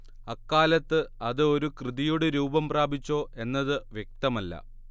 അക്കാലത്ത് അത് ഒരു കൃതിയുടെ രൂപം പ്രാപിച്ചോ എന്നത് വ്യക്തമല്ല